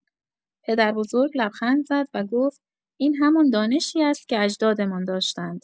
پدربزرگ لبخند زد و گفت: «این همان دانشی است که اجدادمان داشتند!»